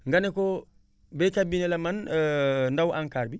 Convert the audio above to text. nga ne ko baykat bi ne la man ndawu ANCAR bi